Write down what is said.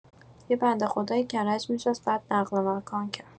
یه بنده خدایی کرج می‌شست بعد نقل‌مکان کرد.